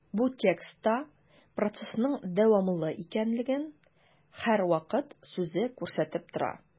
Бу текстта процессның дәвамлы икәнлеген «һәрвакыт» сүзе күрсәтеп тора.